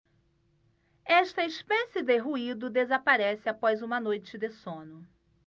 esta espécie de ruído desaparece após uma noite de sono